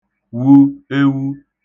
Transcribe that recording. wu (ewu)